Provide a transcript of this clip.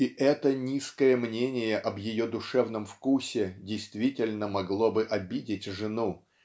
И это низкое мнение об ее душевном вкусе действительно могло бы обидеть жену